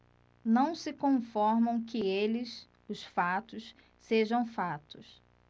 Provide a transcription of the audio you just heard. não se conformam que eles os fatos sejam fatos